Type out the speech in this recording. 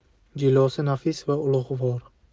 jilosi nafis va ulug'vor